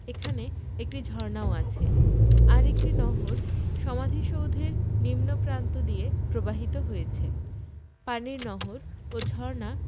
এখানে একটি ঝর্ণাও আছে আর একটি নহর সমাধিসৌধের নিম্ন প্রান্ত দিয়ে প্রবাহিত হয়েছে পানির নহর ও ঝর্ণা